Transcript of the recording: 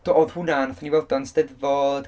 Do oedd hwnna, wnaethon ni weld o'n Steddfod